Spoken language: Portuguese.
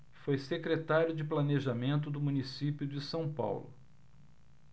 foi secretário de planejamento do município de são paulo